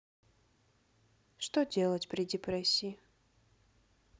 что делать при депрессии